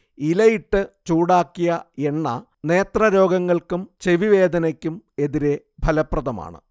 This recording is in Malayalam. ഇലയിട്ട് ചൂടാക്കിയ എണ്ണ നേത്രരോഗങ്ങൾക്കും ചെവിവേദനയ്ക്കും എതിരെ ഫലപ്രദമാണ്